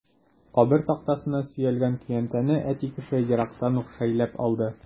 Кабер тактасына сөялгән көянтәне әти кеше ерактан ук шәйләп алды.